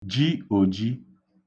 ji òji